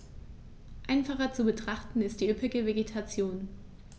Einfacher zu betrachten ist die üppige Vegetation.